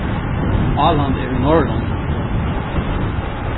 áland er í norðurlondum